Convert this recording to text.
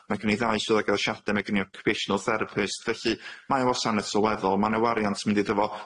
Ma' gyn ni ddau swyddog addasiade, ma' gyn ni occupational therapist. Felly mae yn wasanaeth sylweddol, ma' 'ne wariant yn mynd iddy fo.